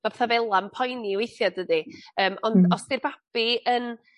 ma' petha fel 'a yn poeni weithia' dydi> Yym ond os 'di'r babi yn